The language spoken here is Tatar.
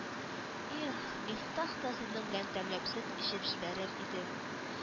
Их, Мифтах та сезнең белән тәмләп сөт эчеп җибәрер иде